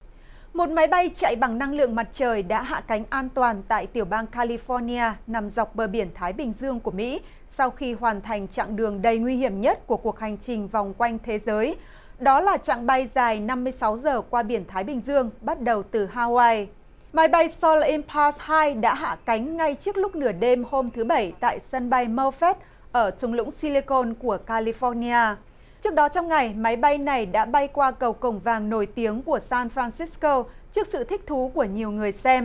một máy bay chạy bằng năng lượng mặt trời đã hạ cánh an toàn tại tiểu bang ca li pho ni a nằm dọc bờ biển thái bình dương của mỹ sau khi hoàn thành chặng đường đầy nguy hiểm nhất của cuộc hành trình vòng quanh thế giới đó là chặng bay dài năm mươi sáu giờ qua biển thái bình dương bắt đầu từ ha goai máy bay so im ba thai đã hạ cánh ngay trước lúc nửa đêm hôm thứ bảy tại sân bay mơ phết ở thung lũng si li côn của ca li pho ni a trước đó trong ngày máy bay này đã bay qua cầu cổng vàng nổi tiếng của san phan sít cô trước sự thích thú của nhiều người xem